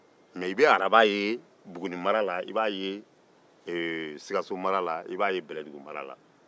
me i bɛ araba ye bugunimara la i b'a ye sikasomarala la i b'a ye bɛlɛdugumara la